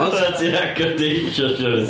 Meddwl ti'n agor dishwasher a...